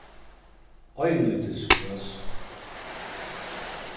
einnýtisgløs